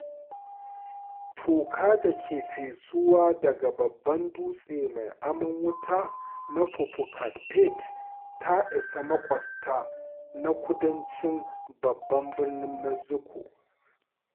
Toka da ke fesuwa daga babban dutse mai amon wuta na Popocatepetl ta isa makwaɓta na kudancin babban birnin Mexico.